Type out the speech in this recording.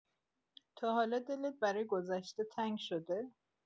تا حالا دلت برای گذشته تنگ شده؟